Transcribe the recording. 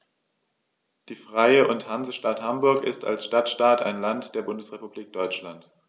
Die Freie und Hansestadt Hamburg ist als Stadtstaat ein Land der Bundesrepublik Deutschland.